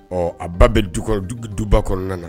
Ɔ a ba bɛ du ka duba kɔnɔna na